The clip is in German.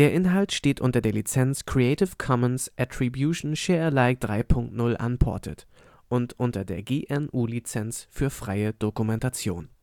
Inhalt steht unter der Lizenz Creative Commons Attribution Share Alike 3 Punkt 0 Unported und unter der GNU Lizenz für freie Dokumentation